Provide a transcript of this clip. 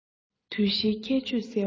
དུས བཞིའི ཁྱད ཆོས གསལ བ